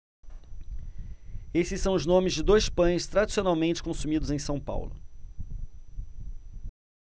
esses são os nomes de dois pães tradicionalmente consumidos em são paulo